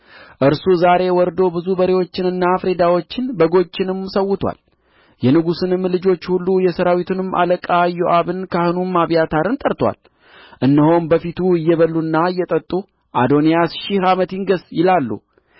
እርሱ ዛሬ ወርዶ ብዙ በሬዎችንና ፍሪዳዎችን በጎችንም ሠውቶአል የንጉሡንም ልጆች ሁሉ የሠራዊትንም አለቃ ኢዮአብን ካህኑንም አብያታርን ጠርቶአል እነሆም በፊቱ እየበሉና እየጠጡ አዶንያስ ሺህ ዓመት ይንገሥ ይላሉ